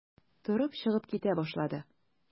Торып чыгып китә башлады.